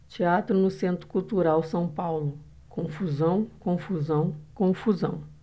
teatro no centro cultural são paulo confusão confusão confusão